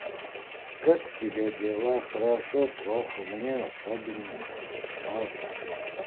как у тебя дела хорошо плохо мне особенно хорошо